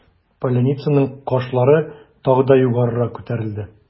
Поляницаның кашлары тагы да югарырак күтәрелде.